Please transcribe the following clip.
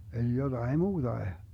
eli jotakin muutakin